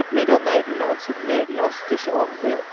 Middelnederlands, het Nederlands tussen ongeveer